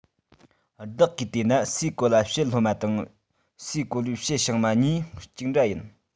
བདག གིས བལྟས ན སའི གོ ལ ཕྱེད ལྷོ མ དང སའི གོ ལའི ཕྱེད བྱང མ གཉིས གཅིག འདྲ ཡིན